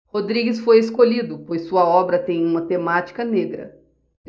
rodrigues foi escolhido pois sua obra tem uma temática negra